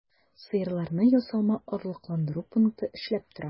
Сыерларны ясалма орлыкландыру пункты эшләп тора.